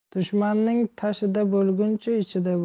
dushmanning tashida bo'lguncha ichida bo'l